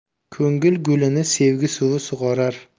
ko'ngil gulini sevgi suvi sug'orar